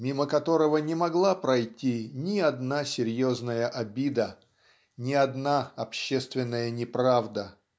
мимо которого не могла пройти ни одна серьезная обида ни одна общественная неправда.